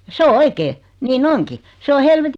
ja se on oikein niin onkin se on -